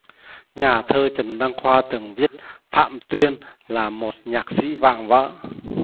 nhà thơ trần đăng khoa từng viết phạm tuyên là một nhạc sĩ vạm vỡ